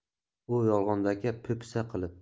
u yolg'ondaka po'pisa qilib